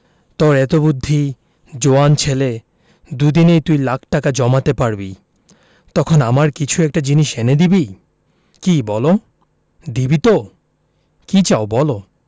তোর এত বুদ্ধি জোয়ান ছেলে দুদিনেই তুই লাখ টাকা জমাতে পারবি তখন আমার কিছু একটা জিনিস এনে দিবি কি বলো দিবি তো কি চাও বলো